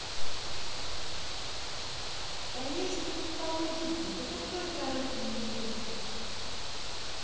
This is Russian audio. конечно получится ты такой хороший мужик